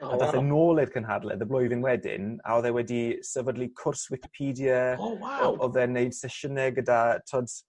A dath e nôl i'r cynhadledd y blwyddyn wedyn a o'dd e wedi sefydlu cwrs wicpedia... O waw. ...o- odd e'n neud sesiyne gyda t'od